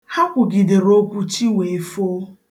Ha kwugidere okwu chi wee foo